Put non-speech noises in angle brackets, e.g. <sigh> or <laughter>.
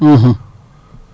<hesitation> <hesitation>